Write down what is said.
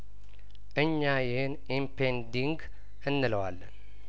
እኛ ይህን ኢንፔንዲንግ እንለዋለን